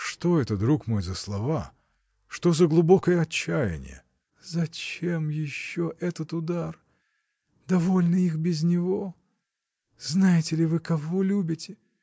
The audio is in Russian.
что это, друг мой, за слова, что за глубокое отчаяние? — Зачем еще этот удар? Довольно их без него! Знаете ли вы, кого любите?